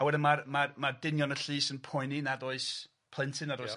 A wedyn ma'r ma'r ma' dynion y llys yn poeni nad oes plentyn nad oes... Ia.